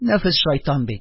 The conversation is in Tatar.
Нәфес - шайтан бит